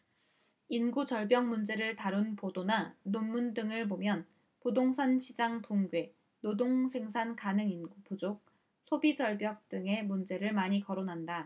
인구절벽 문제를 다룬 보도나 논문 등을 보면 부동산시장 붕괴 노동생산 가능인구 부족 소비절벽 등의 문제를 많이 거론한다